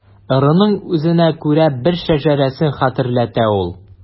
Ыруның үзенә күрә бер шәҗәрәсен хәтерләтә ул.